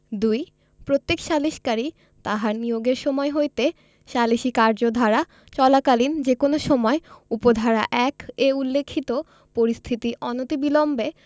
২ প্রত্যেক সালিসকারী তাহার নিয়োগের সময় হইতে সালিসী কার্যধারা চলাকালীন যে কোন সময় উপ ধারা ১ এ উল্লেখিত পরিস্থিতি অনতিবিলম্বে